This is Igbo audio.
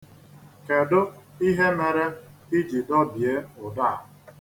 Kedu ihe mere i ji dobie ụdọ a?